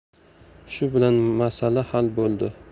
shu bilan masala hal bo'ldi